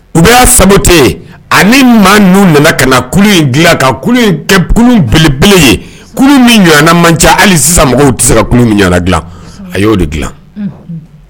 U bɛ y' sababu tɛ yen ani maa ninnu nana ka na kulu in dilan ka in kɛ belebele ye min ɲɔgɔn man ca hali sisan mɔgɔw tɛ se ka min ɲɔgɔn dilan a y' o de dila dilan